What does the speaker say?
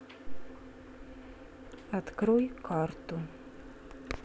открой карту